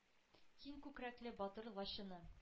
Киң күкрәкле батыр лачыны.